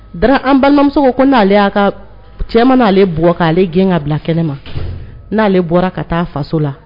Dara an balimamuso ko nale ya ka. Cɛ ma na ale gɛn ka bila kɛnɛ ma . Nale bɔra ka taa faso la